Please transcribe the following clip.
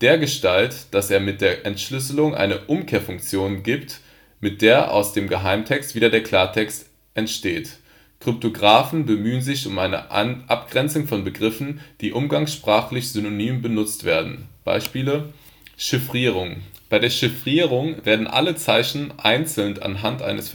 dergestalt, dass es mit der Entschlüsselung eine Umkehrfunktion gibt, mit der man aus dem Geheimtext wieder den Klartext erhält. Kryptographen bemühen sich um eine Abgrenzung von Begriffen, die umgangssprachlich synonym benutzt werden. Beispiele: Chiffrierung: Bei der Chiffrierung werden alle Zeichen einzeln anhand eines